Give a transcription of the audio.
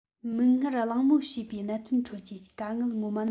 མིག སྔར གླེང མོལ བྱས པའི གནད དོན ཁྲོད ཀྱི དཀའ གནད ངོ མ ནི